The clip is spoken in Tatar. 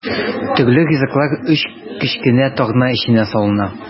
Төрле ризыклар өч кечкенә тартма эченә салына.